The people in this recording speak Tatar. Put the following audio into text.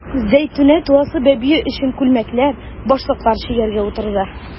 Зәйтүнә туасы бәбие өчен күлмәкләр, башлыклар чигәргә утырды.